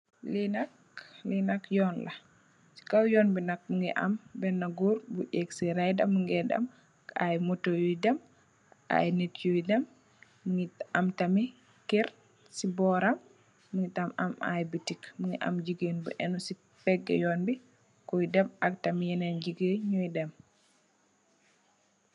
Li nak yon la sey kaw yon bi nak Mungi am bena gorr bu ach sey raider mungai dem i motor yui dem i nit yui dem mungi am tamit kerr sey boram Mungi tam am i bitik Mungi am gigain bu enu sey pecgi yonbi kui dem ak tamit Yenen gigain nyui dem.